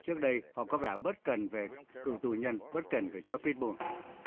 trước đây họ có vẻ bất cần về cựu tù nhân bất cẩn về chó pít bun